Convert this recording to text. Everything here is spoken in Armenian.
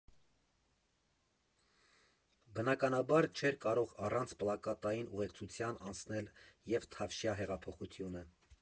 Բնականաբար, չէր կարող առանց պլակատային ուղեկցության անցնել և Թավշյա հեղափոխությունը։